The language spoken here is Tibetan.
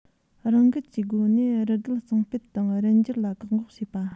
རང འགུལ གྱི སྒོ ནས རུལ རྒོལ གཙང སྤེལ དང རུལ འགྱུར ལ བཀག འགོག བྱེད པ